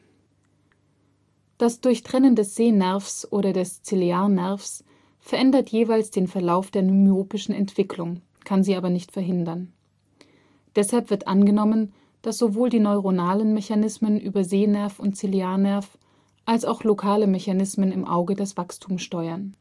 Durchtrennen des Sehnerves oder des Ciliarnerves verändert jeweils den Verlauf der myopischen Entwicklung, kann sie aber nicht verhindern. Deshalb wird angenommen, dass sowohl die neuronalen Mechanismen über Sehnerv und Ciliarnerv als auch lokale Mechanismen im Auge das Wachstum steuern